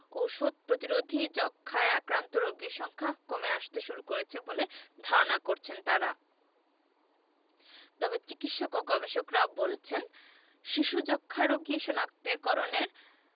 ওষুধ প্রতিরোধী যক্ষ্মায় আক্রান্ত রোগীর সংখ্যা কমে আসতে শুরু করেছে বলে ধারণা করছেন তারা তবে চিকিৎসক ও গবেষকরা বলছেন শিশু যক্ষ্ণারোগী শনাক্ত করণের